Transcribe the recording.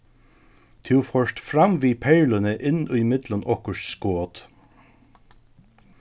tú fórt fram við perluni inn í millum okkurt skot